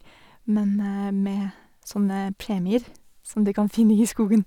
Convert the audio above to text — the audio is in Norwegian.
Men med sånne premier som du kan finne i skogen.